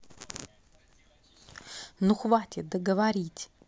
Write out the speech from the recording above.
ну хватит договорить